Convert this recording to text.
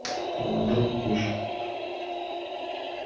ты мой друг kush